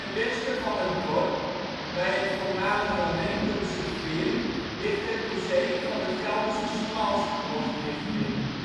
westen van het dorp, bij het voormalige Renkumse veer, ligt het museum van de Gelderse Smalspoor Stichting